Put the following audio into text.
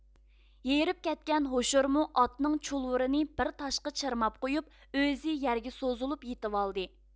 ھېرىپ كەتكەن ھوشۇرمۇ ئاتنىڭ چۇلىۋۋۇرىنى بىر تاشقا چىرماپ قويۇپ ئۆزى يەرگە سوزۇلۇپ يېتىۋالدى